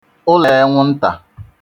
ulọ̀ enwụntà